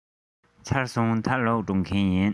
ཚར སོང ད ལོག འགྲོ མཁན ཡིན